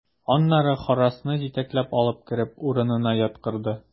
Аннары Харрасны җитәкләп алып кереп, урынына яткырды.